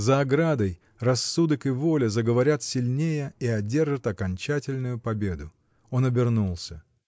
За оградой — рассудок и воля заговорят сильнее и одержат окончательную победу. Он обернулся.